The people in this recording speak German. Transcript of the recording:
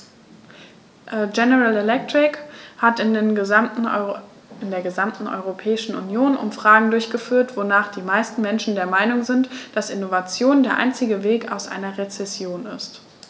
General Electric hat in der gesamten Europäischen Union Umfragen durchgeführt, wonach die meisten Menschen der Meinung sind, dass Innovation der einzige Weg aus einer Rezession ist.